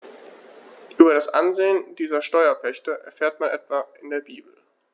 Über das Ansehen dieser Steuerpächter erfährt man etwa in der Bibel.